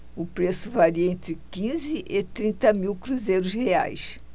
o preço varia entre quinze e trinta mil cruzeiros reais